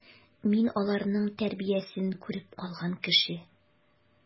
Мин аларның тәрбиясен күреп калган кеше.